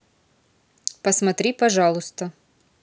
посмотри пожалуйста